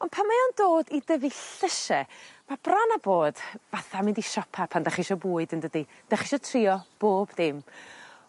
On' pan mae o'n dod i dyfu llyshe ma' bron â bod fatha mynd i siopa pan 'dach chi isio bwyd yndydi? 'Dach ci isio trio bob dim.